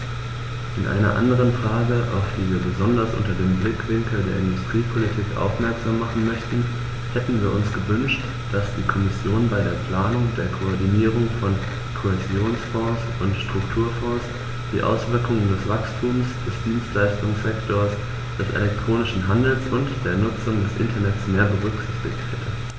In einer anderen Frage, auf die wir besonders unter dem Blickwinkel der Industriepolitik aufmerksam machen möchten, hätten wir uns gewünscht, dass die Kommission bei der Planung der Koordinierung von Kohäsionsfonds und Strukturfonds die Auswirkungen des Wachstums des Dienstleistungssektors, des elektronischen Handels und der Nutzung des Internets mehr berücksichtigt hätte.